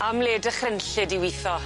Am le dychrynllyd i witho.